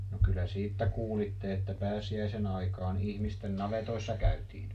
no kyllä siitä kuulitte että pääsiäisen aikaan ihmisten navetoissa käytiin